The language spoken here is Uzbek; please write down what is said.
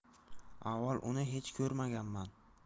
avval uni hech ko'rmaganman